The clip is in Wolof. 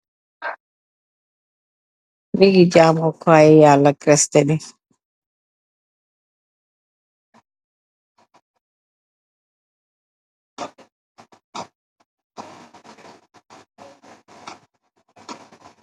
Nèk ngi jàmóó Kai yalla Kristian .